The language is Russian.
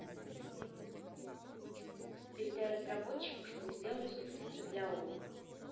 передай разработчикам чтобы сделали субтитры для okko